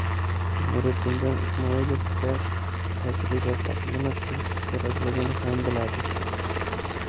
nurdinjon ismoilovda tajriba bor nima qilish kerakligini ham biladi